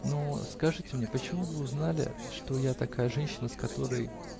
Но скажите мне, почему вы узнали, что я такая женщина, с которой.